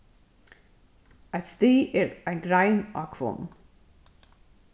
eitt stig er ein grein á hvonn